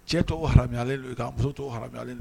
Cɛ tɔgɔ ka muso toya